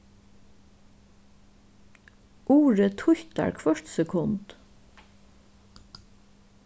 urið títtar hvørt sekund